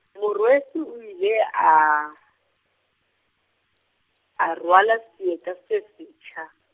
Morwesi o ile a, a rwala seeta se setjha.